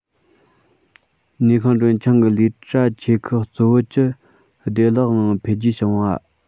ནུས ཁུངས གྲོན ཆུང གི ལས གྲྭ ཆེ ཁག གཙོ བོ བཅུ བདེ བླག ངང འཕེལ རྒྱས བྱུང བ